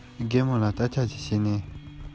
ཐིགས པ ལག པ ཆུང ཆུང གིས